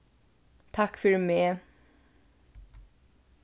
takk fyri meg